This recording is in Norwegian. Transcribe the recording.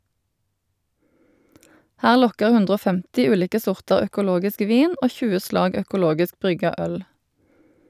Her lokkar 150 ulike sortar økologisk vin og 20 slag økologisk brygga øl.